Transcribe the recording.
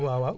waaw waaw